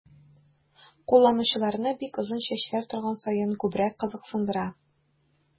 Кулланучыларны бик озын чәчләр торган саен күбрәк кызыксындыра.